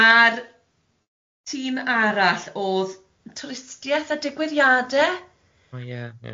A'r tîm arall o'dd twristieth a digwyddiade o ie ie.